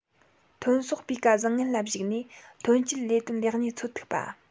ཐོན ཟོག སྤུས ཀ བཟང ངན ལ གཞིགས ནས ཐོན སྐྱེད ལས དོན ལེགས ཉེས ཚོད ཐིག པ